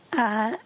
a